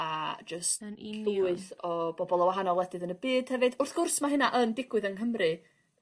a jyst... yn union. ...llwyth o bobol o wahanol wledydd yn y byd hefyd wrth gwrs ma' hynna yn digwydd yng Nghymru.